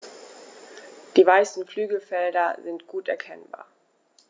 Die weißen Flügelfelder sind gut erkennbar.